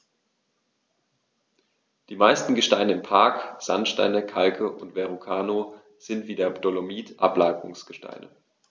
Die meisten Gesteine im Park – Sandsteine, Kalke und Verrucano – sind wie der Dolomit Ablagerungsgesteine.